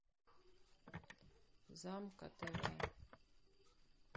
замка тв